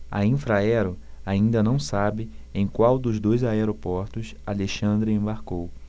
a infraero ainda não sabe em qual dos dois aeroportos alexandre embarcou